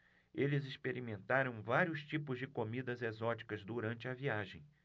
eles experimentaram vários tipos de comidas exóticas durante a viagem